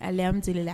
Asla